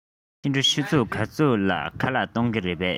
ཕྱི དྲོ ཆུ ཚོད ག ཚོད ལ ཁ ལག གཏོང གི རེད པས